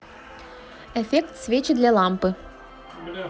эффект свечи для лампы